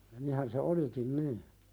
niinhän se olikin niin